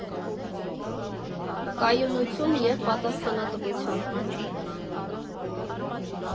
Կայունություն և պատասխանատվություն։